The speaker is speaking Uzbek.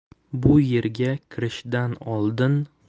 bu yerga kirishdan oldin